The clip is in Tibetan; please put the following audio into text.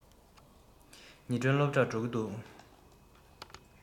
ཉི སྒྲོན སློབ གྲྭར འགྲོ གི འདུག